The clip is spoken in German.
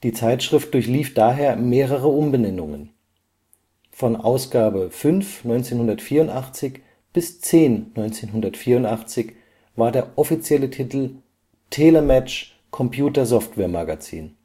Zeitschrift durchlief daher mehrere Umbenennungen. Von Ausgabe 5/84 bis 10/84 war der offizielle Titel „ TELEMATCH Computer Software Magazin